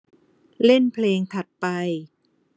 เล่นเพลงถัดไป